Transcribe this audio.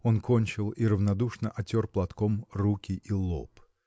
Он кончил и равнодушно отер платком руки и лоб.